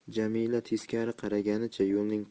jamila teskari qaraganicha yo'lning